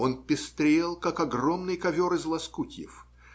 Он пестрел, как огромный ковер из лоскутьев.